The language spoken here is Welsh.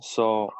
so